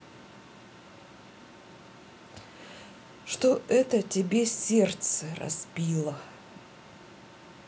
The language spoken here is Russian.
что это тебе сердце разбила